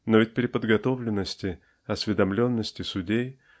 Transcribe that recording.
Но ведь при подготовленности и осведомленности судей